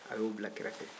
a y'o bila kɛrɛfɛ